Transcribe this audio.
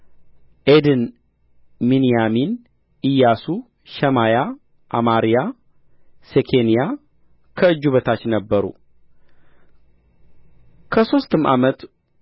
ዔድን ሚንያሚን ኢያሱ ሸማያ አማርያ ሴኬንያ ከእጁ በታች ነበሩ ከሦስትም ዓመት